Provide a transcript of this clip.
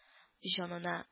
Җанына